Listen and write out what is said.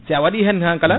sa waɗi hen hankala